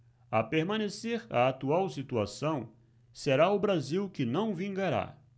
a permanecer a atual situação será o brasil que não vingará